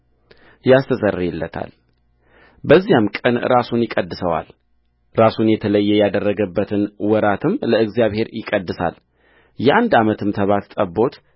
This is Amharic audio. ያስተሰርይለታል በዚያም ቀን ራሱን ይቀድሰዋልራሱን የተለየ ያደረገበትን ወራትም ለእግዚአብሔር ይቀድሳል የአንድ ዓመትም ተባት ጠቦት